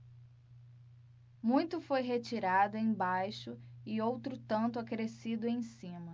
muito foi retirado embaixo e outro tanto acrescido em cima